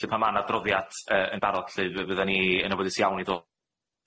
'Lly pan ma' 'na adroddiad yy yn barod lly f- fyddan ni yn ymwboddus iawn i ddo-